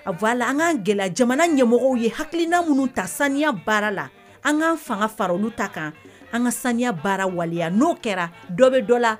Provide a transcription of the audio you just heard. A a an kaan gɛlɛ jamana ɲɛmɔgɔ ye hakilikiina minnu ta saniya baara la an'an fanga fara ta kan an ka saniya baara waleya n'o kɛra dɔ bɛ dɔ la